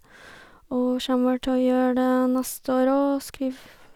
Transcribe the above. Og kjem vel til å gjøre det neste år òg, skrif...